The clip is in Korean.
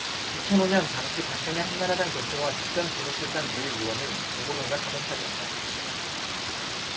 이천 오 년 당시 박근혜 한나라당 대표와 직전 비서실장 유 의원은 동고동락하던 사이었다